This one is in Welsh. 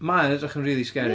Mae o'n edrych yn rili scary.